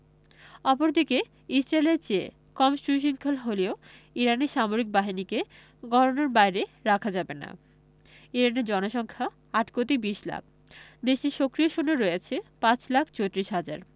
অপরদিকে ইসরায়েলের চেয়ে কম সুশৃঙ্খল হলেও ইরানি সামরিক বাহিনীকে গণনার বাইরে রাখা যাবে না ইরানের জনসংখ্যা ৮ কোটি ২০ লাখ দেশটির সক্রিয় সৈন্য রয়েছে ৫ লাখ ৩৪ হাজার